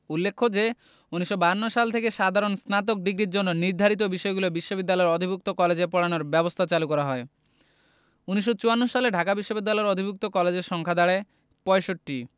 উল্লেখ্য যে ১৯৫২ সাল থেকে সাধারণ স্নাতক ডিগ্রির জন্য নির্ধারিত বিষয়গুলো বিশ্ববিদ্যালয়ের অধিভুক্ত কলেজে পড়ানোর ব্যবস্থা চালু করা হয় ১৯৫৪ সালে ঢাকা বিশ্ববিদ্যালয়ের অধিভুক্ত কলেজের সংখ্যা দাঁড়ায় ৬৫